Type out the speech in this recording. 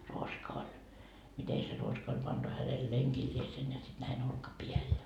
ruoska oli miten se ruoska oli pantu hänen lenkilleen ja sitten näin olkapäälle ja